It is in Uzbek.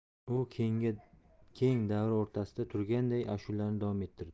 u keng davra o'rtasida turganday ashulasini davom ettirdi